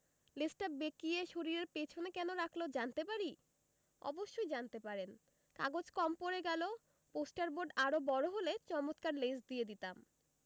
লেজটা বেঁকিয়ে শরীরের পেছনে কেন রাখল জানতে পারি অবশ্যই জানতে পারেন কাগজ কম পড়ে গেল পোস্টার বোর্ড আয়ে বড় হলে চমৎকার লেজ দিয়ে দিতাম